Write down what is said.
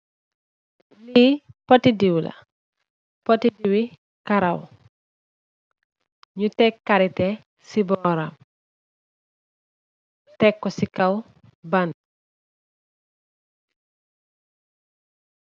Li pot ti diw la, pot ti diwi kawar ñu tek kariteh ci bóram teh ko si kaw ban.